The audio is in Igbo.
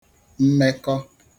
mmekọ